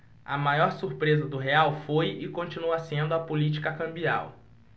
a maior surpresa do real foi e continua sendo a política cambial